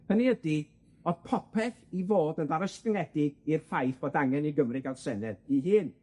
Hynny ydi, o'dd popeth i fod yn ddarostyngedig i'r ffaith bod angen i Gymru gael Senedd 'i hun.